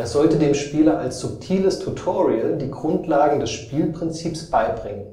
sollte dem Spieler als subtiles Tutorial die Grundlagen des Spielprinzips beibringen